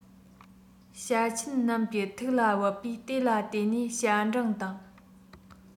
བྱ ཆེན རྣམས ཀྱི ཐུགས ལ བབས པས དེ ལ བརྟེན ནས བྱ འབྲིང དང